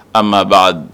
A mabaa